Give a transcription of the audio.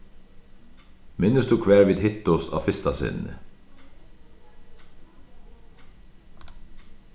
minnist tú hvar vit hittust á fyrsta sinni